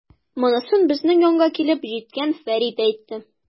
Монысын безнең янга килеп җиткән Фәрит әйтте.